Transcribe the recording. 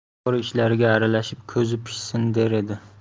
ro'zg'or ishlariga aralashib ko'zi pishsin der edi